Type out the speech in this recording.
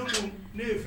Ne ye